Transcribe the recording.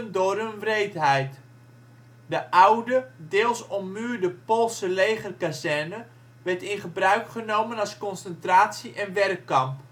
door hun wreedheid. De oude, deels ommuurde Poolse legerkazerne werd in gebruik genomen als concentratie - en werkkamp